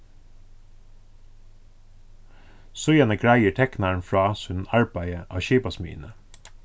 síðani greiðir teknarin frá sínum arbeiði á skipasmiðjuni